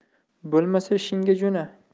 bo'lmasa ishingga jo'na